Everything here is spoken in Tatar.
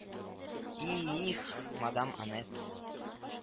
— и-иих, мадам анет